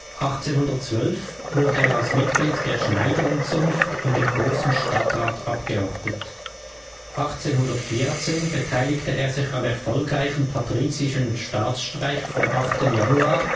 1812 wurde er als Mitglied der Schneidernzunft in den grossen Stadtrat abgeordnet. 1814 beteiligte er sich am erfolgreichen patrizischen Staatsstreich vom 8. Januar